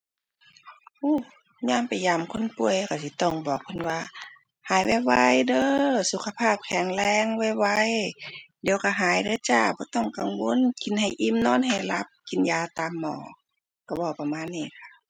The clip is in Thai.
อู้ ยามไปยามคนป่วยก็สิต้องบอกเพิ่นว่า หายไวไวเด้อ สุขภาพแข็งแรงไวไว เดี๋ยวก็หายเด้อจ้า บ่ต้องกังวล กินให้อิ่ม นอนให้หลับ กินยาตามหมอ ก็เว้าประมาณนี้ล่ะ